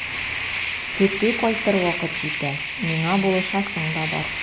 Көтү кайтыр вакыт җитә, миңа булышасың да бар.